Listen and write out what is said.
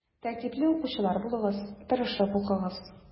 Тәртипле укучылар булыгыз, тырышып укыгыз.